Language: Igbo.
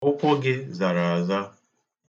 Ụkwụ gị zara aza.